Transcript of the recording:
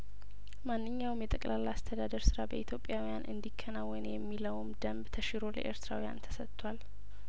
ማንኛውም የጠቅላላ አስተዳደር ስራ በኢትዮጵያውያን እንዲከናወን የሚለውም ደንብ ተሽሮ ለኤርትራውያን ተሰጥቷል